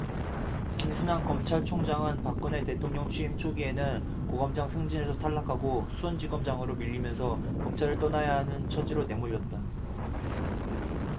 김수남 검찰총장은 박근혜 대통령 취임 초기에는 고검장 승진에서 탈락하고 수원지검장으로 밀리면서 검찰을 떠나야 하는 처지로 내몰렸다